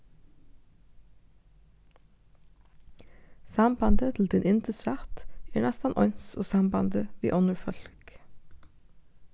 sambandið til tín yndisrætt er næstan eins og sambandið við onnur fólk